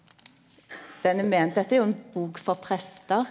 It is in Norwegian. den er meint dette er jo ein bok for prestar.